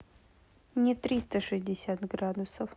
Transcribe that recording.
не триста шестьдесят градусов